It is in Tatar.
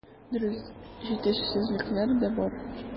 Дөрес, җитешсезлекләр дә бар.